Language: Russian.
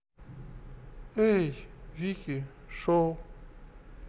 эй вики шоу